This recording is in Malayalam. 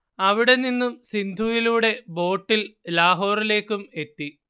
അവിടെനിന്നും സിന്ധുവിലൂടെ ബോട്ടിൽ ലാഹോറിലേക്കും എത്തി